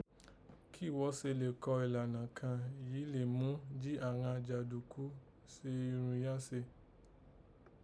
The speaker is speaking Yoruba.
Kí gho se le kọ ìlànà kàn yí lè mú jí àghan jàǹdùkú se irun yìí àán se